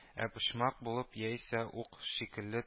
Ә почмак булып, яисә ук шикелле т